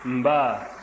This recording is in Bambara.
nba